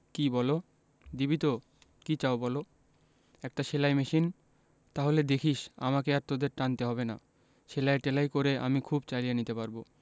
কি বলো দিবি তো কি চাও বলো একটা সেলাই মেশিন তাহলে দেখিস আমাকে আর তোদের টানতে হবে না সেলাই টেলাই করে আমি খুব চালিয়ে নিতে পারব